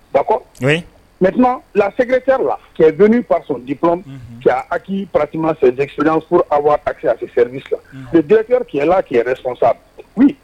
Bakɔ netuma la sɛgɛcɛ ladonni pa sunjatadip jaa akii patima fɛesi furu a wa a apsɛri sisan jɛgɛkɛ cɛ la kiɛrɛ sɔsan koyi